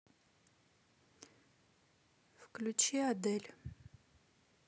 включи адель